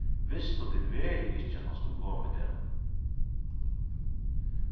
vistu tit veruliga ikki at hann skuldi koma í dag